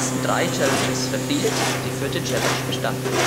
drei Challenges in diesem Jahr